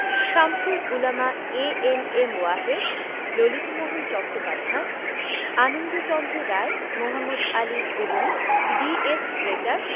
Shamsul Ulama A N M Wahed Lalitmohan Chattopadhyay Anandachandra Roy Mohammad Ali এবং D S. Fraser